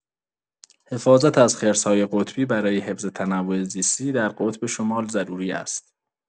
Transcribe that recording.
حفاظت از خرس‌های قطبی برای حفظ تنوع زیستی در قطب شمال ضروری است.